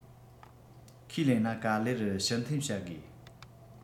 ཁས ལེན ན ག ལེར ཕྱིར འཐེན བྱ དགོས